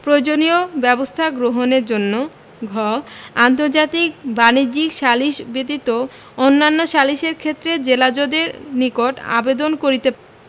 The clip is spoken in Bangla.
প্রয়োজনীয় ব্যবস্থা গ্রহণের জন্য ঘ আন্তর্জাতিক বাণিজ্যিক সালিস ব্যতীত অন্যান্য সালিসের ক্ষেত্রে জেলাজজের নিকট আবেদন করিতে